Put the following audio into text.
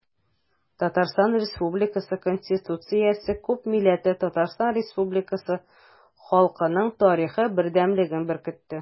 Татарстан Республикасы Конституциясе күпмилләтле Татарстан Республикасы халкының тарихы бердәмлеген беркетте.